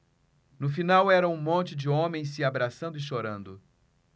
no final era um monte de homens se abraçando e chorando